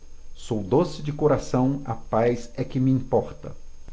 sou doce de coração a paz é que me importa